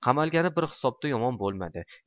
qamalgani bir hisobda yomon bo'lmadi